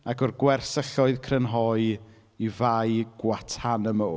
Ac o'r gwersylloedd crynhoi, i Fae Guantanamo.